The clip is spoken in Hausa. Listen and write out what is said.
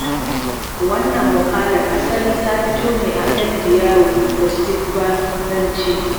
Wannan muƙalar asali ta fito ne a El Diario da Sifananci.